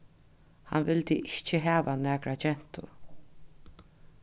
hann vildi ikki hava nakra gentu